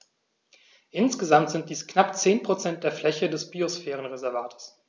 Insgesamt sind dies knapp 10 % der Fläche des Biosphärenreservates.